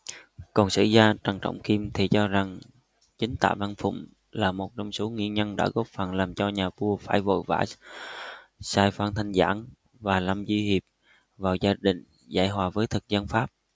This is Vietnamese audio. còn sử gia trần trọng kim thì cho rằng chính tạ văn phụng là một trong số nguyên nhân đã góp phần làm cho nhà vua phải vội vã sai phan thanh giản và lâm duy hiệp vào gia định giảng hòa với thực dân pháp